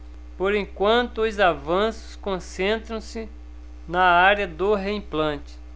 por enquanto os avanços concentram-se na área do reimplante